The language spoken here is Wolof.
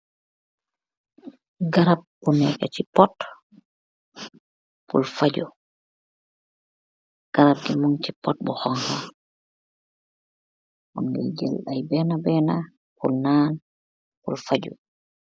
Garab bu nekax si pott, pur fajuh . Garab bi mun si pot bu honha, bu keex jel aii benaax benaax pur naan pur fajuh.